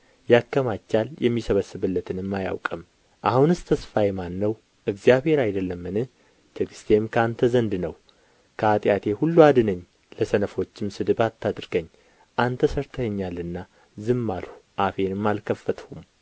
ያከማቻል የሚሰበስብለትንም አያውቅም አሁንስ ተስፋዬ ማን ነው እግዚአብሔር አይደለምን ትዕግሥቴም ከአንተ ዘንድ ነው ከኃጢአቴ ሁሉ አድነኝ ለሰነፎችም ስድብ አታድርገኝ አንተ ሠርተኸኛልና ዝም አልሁ አፌንም አልከፈትሁም